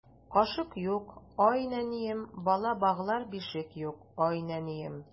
Кашык юк, ай нәнием, Бала баглар бишек юк, ай нәнием.